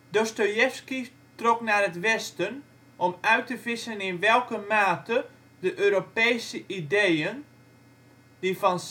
Dostojevski trok naar het Westen om uit te vissen in welke mate de Europese ideeën (die van